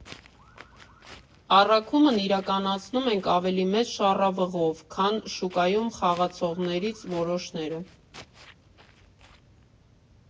Առաքումն իրականացնում ենք ավելի մեծ շառավղով, քան շուկայում խաղացողներից որոշները։